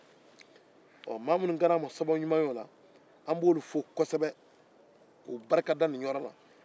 maa minnu kɛra o sababu ɲuman ye an b'olu fo kosɛbɛ k'u barikada